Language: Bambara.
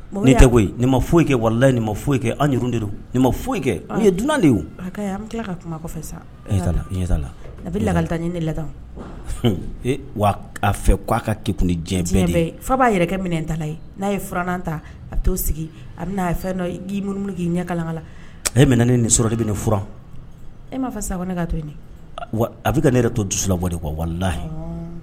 Ne tɛ foyi kɛ wali foyi kɛ anw foyi ye dunan de ye an kuma kɔfɛ sa a bɛ laka ta ɲɛ ne la a fɛ ko a kap diɲɛ fa b'a yɛrɛ minɛ ta ye n'a ye furanan ta a to sigi a bɛ n'a ye fɛn'iumununi k'i ɲɛkaga e minɛ ne nin sɔrɔ de bɛ ne f e m ma'a sa ne ka to nin a bɛ ka ne to dusulabɔ de walila